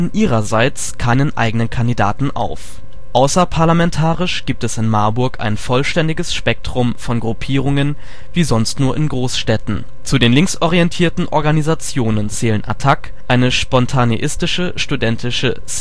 ihrerseits keinen eigenen Kandidaten auf. Außerparlamentarisch gibt es in Marburg ein vollständiges Spektrum von Gruppierungen wie sonst nur in Großstädten. Zu den linksorientierten Organisationen zählen ATTAC, eine spontaneistische studentische